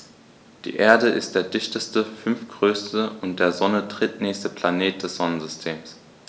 Die Erde ist der dichteste, fünftgrößte und der Sonne drittnächste Planet des Sonnensystems.